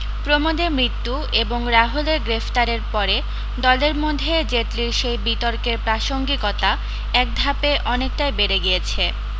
প্রমোদের মৃত্যু এবং রাহুলের গ্রেফতারের পরে দলের মধ্যে জেটলির সেই বিতর্কের প্রাসঙ্গিকতা এক ধাপে অনেকটাই বেড়ে গিয়েছে